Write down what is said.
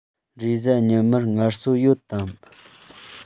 རེས གཟའ ཉི མར ངལ གསོ ཡོད དམ